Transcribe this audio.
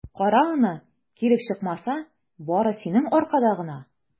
Кара аны, килеп чыкмаса, бары синең аркада гына!